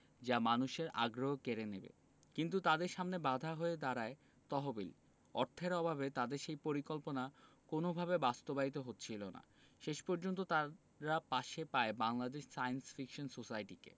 যা মানুষের আগ্রহ কেড়ে নেবে কিন্তু তাদের সামনে বাধা হয়ে দাঁড়ায় তহবিল অর্থের অভাবে তাদের সেই পরিকল্পনা কোনওভাবেই বাস্তবায়িত হচ্ছিল না শেষ পর্যন্ত তারা পাশে পায় বাংলাদেশ সায়েন্স ফিকশন সোসাইটিকে